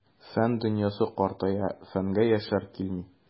Фән дөньясы картая, фәнгә яшьләр килми.